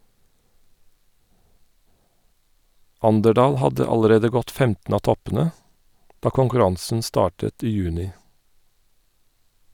Anderdal hadde allerede gått 15 av toppene da konkurransen startet i juni.